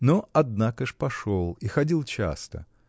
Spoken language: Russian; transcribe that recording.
Но, однако ж, пошел и ходил часто.